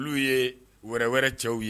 Olu ye wɛrɛ wɛrɛ cɛw ye